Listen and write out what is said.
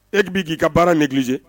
E kbi k'i ka baara niiliti